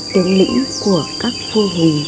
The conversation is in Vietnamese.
tướng lĩnh của các vua hùng